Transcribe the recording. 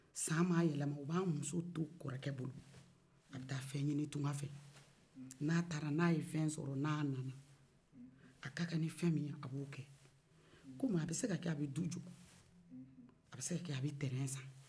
san maaa yɛlɛma o b'a muso to kɔrɔkɛ bolo a bɛ taa tungan fɛ n'a taara n'a ye fɛn sɔrɔ n'a nana a ka kan ni fɛn min ye a b'o kɛ kɔmi a bɛ se ka kɛ a bɛ du jɔ a bɛ se ka kɛ a bɛ tɛrɛn san